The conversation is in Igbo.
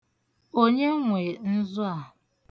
Onye nwe nzu a?